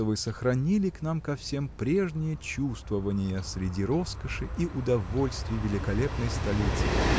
что вы сохранили к нам ко всем прежние чувствования среди роскоши и удовольствий великолепной столицы.